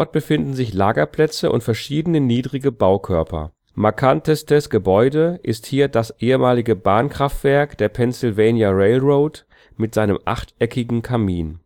befinden sich Lagerplätze und verschiedene niedrige Baukörper. Markantestes Gebäude ist hier das ehemalige Bahnkraftwerk der Pennsylvania Railroad mit seinem achteckigen Kamin